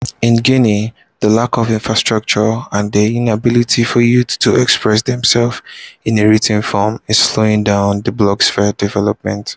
In Guinea, the lack of infrastructure and the inability for youth to express themselves in a written form is slowing down the blogosphere's development.